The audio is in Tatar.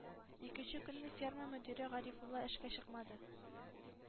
.икенче көнне ферма мөдире гарифулла эшкә чыкмады.